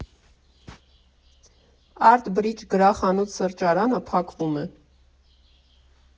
Արտ Բրիջ գրախանութ֊սրճարանը փակվում է։